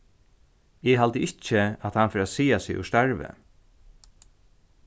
eg haldi ikki at hann fer at siga seg úr starvi